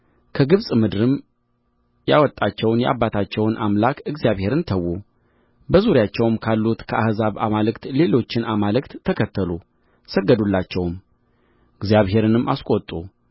ከግብፅ ምድርም ያወጣቸውን የአባቶቻቸውን አምላክ እግዚአብሔርን ተዉ በዙሪያቸውም ካሉት ከአሕዛብ አማልክት ሌሎችን አማልክት ተከተሉ ሰገዱላቸውም እግዚአብሔርንም አስቈጡ